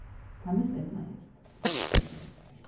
tað miseydnaðist